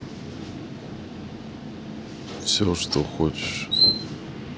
все что хочешь